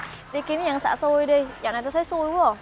đi kiếm gì ăn xả xui đi dạo này tui thấy xui quá ờ